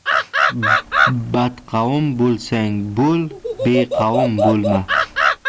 badqavm bo'lsang bo'l beqavm bo'lma